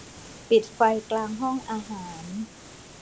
ปิดไฟกลางห้องอาหาร